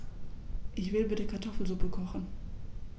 Ich will bitte Kartoffelsuppe kochen.